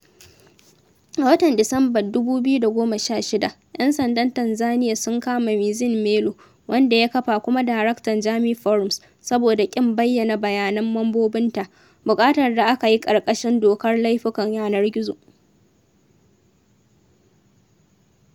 A watan Disamban 2016, ‘yan sanda Tanzaniya sun kama Maxence Melo, wanda ya kafa kuma daraktan Jamii Forums, saboda ƙin bayyana bayanan mambobinta, buƙatar da aka yi ƙarƙashin Dokar Laifukan yanar gizo